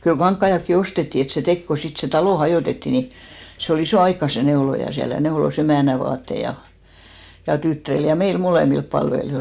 kyllä kankaitakin ostettiin että se teki kun sitten se talo hajotettiin niin se oli ison aikaa se neuloja siellä ja neuloi emännän vaatteita ja ja tyttärille ja meille molemmille palvelijoille